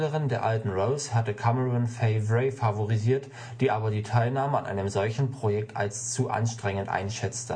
der alten Rose hatte Cameron Fay Wray favorisiert, die aber die Teilnahme an einem solchen Projekt als zu anstrengend einschätzte